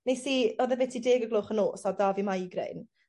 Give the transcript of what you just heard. nes i... O'dd e byti deg o'r gloch y nos a o'dd 'da fi migraine